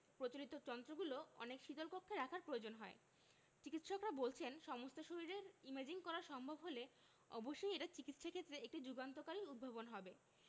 প্রচলিত যন্ত্রগুলো অনেক শীতল কক্ষে রাখার প্রয়োজন হয় চিকিত্সকরা বলছেন সমস্ত শরীরের ইমেজিং করা সম্ভব হলে অবশ্যই এটা চিকিত্সাক্ষেত্রে একটি যুগান্তকারী উদ্ভাবন হবে